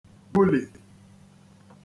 gbulì